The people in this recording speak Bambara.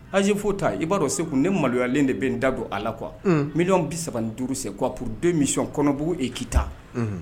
Alizse futa ta i b'a dɔn segu ne maloyalen de bɛ n da don a la qu miyɔn bi saba duuru se k'apden miy kɔnɔbu e kita